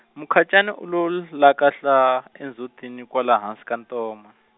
Mukhacani u lo l-, lakahla endzhutini kwala hansi ka ntoma.